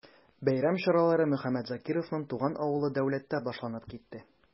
Бәйрәм чаралары Мөхәммәт Закировның туган авылы Дәүләттә башланып китте.